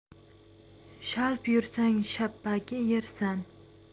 shalp yursang shapaki yersan